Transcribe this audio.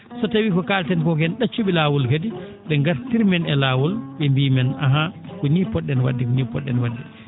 so tawii ko kaalten koo ko en ?accu?e laawol kadi ?e ngartir men e laawol ?e mbii men ahan ko nii po??en wa?de konii po??en wa?de ko nii po??en